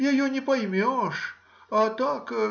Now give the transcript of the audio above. — ее не поймешь, а так.